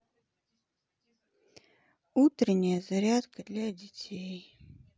утренняя зарядка для детей